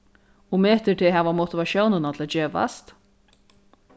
og metir teg hava motivatiónina til at gevast